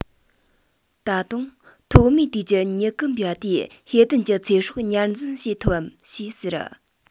ད དུང ཐོག མའི དུས ཀྱི མྱུ གུ འབུས པ དེས ཧའེ ཏན གྱི ཚེ སྲོག ཉར འཛིན བྱེད ཐུབ བམ ཞེས ཟེར